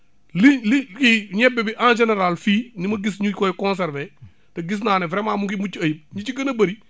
li li li ñebe bi en général fii ni ma gis ñu koy conservé gis naa ne vraiment mu ngi mucc ayib lu ci gën a bëri